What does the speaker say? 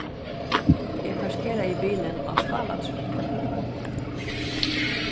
eg parkeraði bilin á skálatrøð